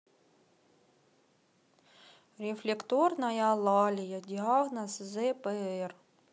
рефлекторная алалия диагноз зпр